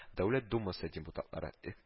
Дәүләт Думасы депутатлары, их